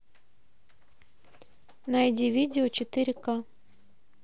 найди видео четыре к